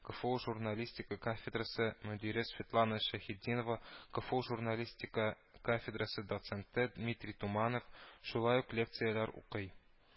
КФУ журналистика кафедрасы мөдире Светлана Шәйхетдинова, КФУ журналистика кафедрасы доценты Дмитрий Туманов шулай ук лекцияләр укый